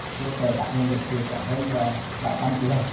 hỗ trợ các nguồn lực thì có hơn là bảy trăm triệu đồng